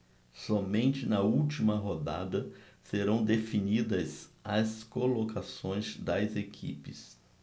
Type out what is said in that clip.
somente na última rodada serão definidas as colocações das equipes